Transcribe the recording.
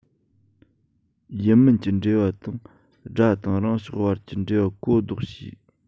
ཡིན མིན གྱི འབྲེལ བ དང དགྲ དང རང ཕྱོགས བར གྱི འབྲེལ བ གོ ལྡོག བྱས